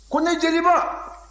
ko ne jeliba